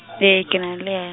ee ke na le ya.